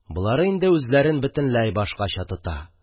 Болары инде үзләрен бөтенләй башкача тоталар.